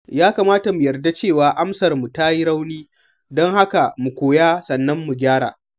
Ya kamata mu yarda cewa amsarmu ta yi rauni, don haka mu koya sannan mu gyara.